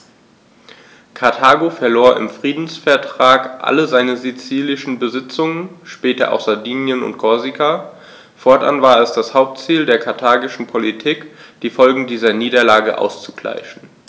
Karthago verlor im Friedensvertrag alle seine sizilischen Besitzungen (später auch Sardinien und Korsika); fortan war es das Hauptziel der karthagischen Politik, die Folgen dieser Niederlage auszugleichen.